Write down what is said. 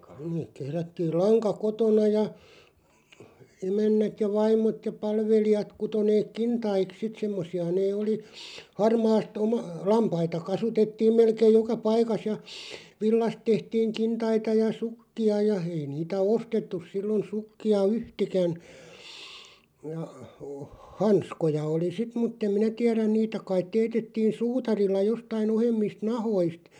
ne kehrättiin lanka kotona ja emännät ja vaimot ja palvelijat kutoi ne kintaiksi sitten semmoisia ne oli harmaasta - lampaita kasvatettiin melkein joka paikassa ja villasta tehtiin kintaita ja sukkia ja ei niitä ostettu silloin sukkia yhtään ja - hanskoja oli sitten mutta en minä tiedä niitä kai teetettiin suutarilla jostakin ohuemmista nahkoista